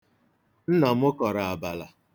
Nna m kọrọ abala.